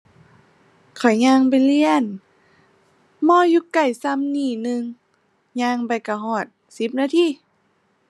ข้อยย่างไปเรียน มออยู่ใกล้ส่ำนี้หนึ่ง ย่างไปก็ฮอดสิบนาที